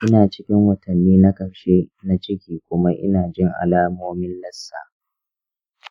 ina cikin watanni na ƙarshe na ciki kuma ina jin alamomin lassa.